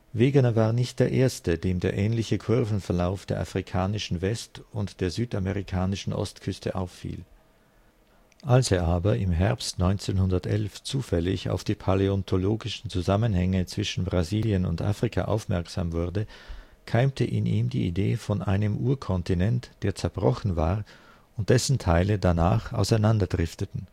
Wegener war nicht der erste, dem der ähnliche Kurvenverlauf der afrikanischen West - und der südamerikanischen Ostküste auffiel. Als er aber im Herbst 1911 zufällig auf die paläontologischen Zusammenhänge zwischen Brasilien und Afrika aufmerksam wurde, keimte in ihm die Idee von einem Urkontinent, der zerbrochen war und dessen Teile danach auseinander drifteten